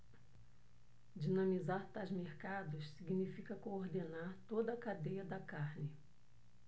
dinamizar tais mercados significa coordenar toda a cadeia da carne